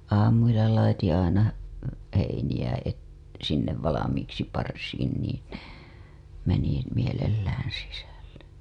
aamuilla laitettiin aina heiniä - sinne valmiiksi parsiin niin ne meni mielellään sisälle